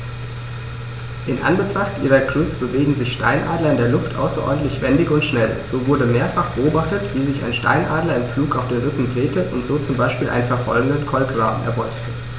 In Anbetracht ihrer Größe bewegen sich Steinadler in der Luft außerordentlich wendig und schnell, so wurde mehrfach beobachtet, wie sich ein Steinadler im Flug auf den Rücken drehte und so zum Beispiel einen verfolgenden Kolkraben erbeutete.